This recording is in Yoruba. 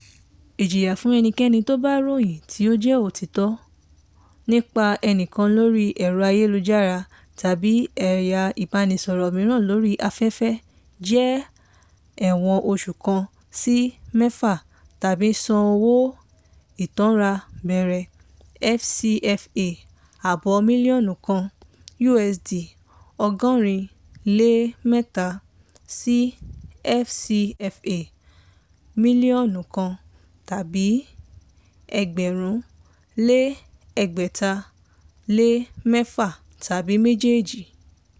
Ìjìyà fún enikẹni tó bá ròyìn tí ó jẹ́ òtítọ́ nípa ẹnìkan lórí ẹ̀ro ayélujára tàbí ẹ̀yà ìbánisọ̀rọ̀ miran lórí afẹ́fẹ́ jẹ́ ẹ̀wọ̀n oṣù kan (01) sí mẹ́fà (06) tàbí san owó ìtánràn bẹ̀rẹ̀ FCFA 500,000 (USD 803) sí FCFA 1,000,000 ( USD 1,606) tàbí méjèèjì.